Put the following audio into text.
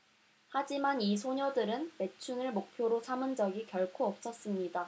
하지만 이 소녀들은 매춘을 목표로 삼은 적이 결코 없었습니다